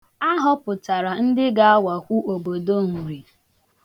A họpụtara ndị ga-awakwu obodo Nri.